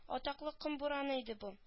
Атаклы ком бураны иде бу